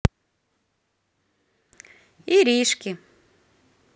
иришки